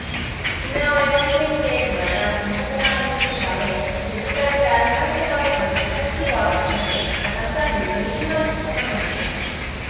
진에어의 홈페이지에 들어가 김포공항에서 출발해 제주까지 가는 항공권의 가격을 살펴 보았더니 가장 싼 요금이 일 만 구천 원이네요